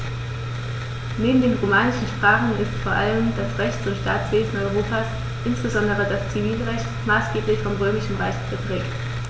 Neben den romanischen Sprachen ist vor allem das Rechts- und Staatswesen Europas, insbesondere das Zivilrecht, maßgeblich vom Römischen Recht geprägt.